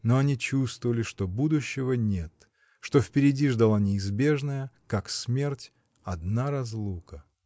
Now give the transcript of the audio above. Но они чувствовали, что будущего нет, что впереди ждала, неизбежная как смерть, одна разлука!